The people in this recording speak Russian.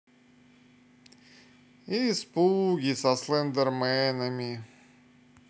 испуги со слендерменами